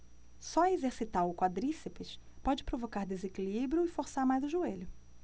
só exercitar o quadríceps pode provocar desequilíbrio e forçar mais o joelho